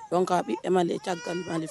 Dɔn a bɛ e ma ca fɛ